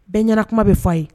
Bɛɛ ɲɛna kuma bɛ fɔ'a ye